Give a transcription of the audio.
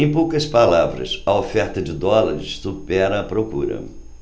em poucas palavras a oferta de dólares supera a procura